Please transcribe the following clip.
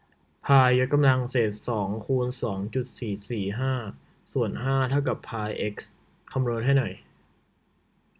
พายยกกำลังเศษสองคูณสองจุดสี่สี่ห้าส่วนห้าเท่ากับพายเอ็กซ์คำนวณให้หน่อย